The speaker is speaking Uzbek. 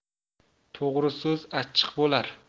to'g'ri so'z achchiq bo'lar